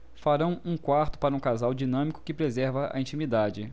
farão um quarto para um casal dinâmico que preserva a intimidade